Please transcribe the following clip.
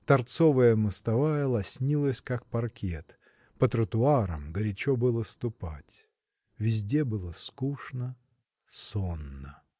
торцовая мостовая лоснилась, как паркет по тротуарам горячо было ступать. Везде было скучно, сонно.